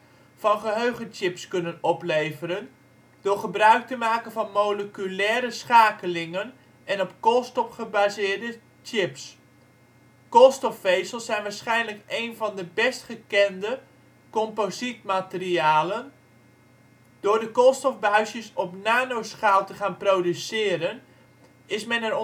van geheugenchips kunnen opleveren, door gebruik te maken van moleculaire schakelingen en op koolstof gebaseerde chips. Koolstofvezels zijn waarschijnlijk één van de best gekende composietmaterialen. Door de koolstofbuisjes op nanoschaal te gaan produceren is men